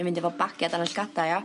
Yn mynd efo bagia dan 'n ll'gada ia?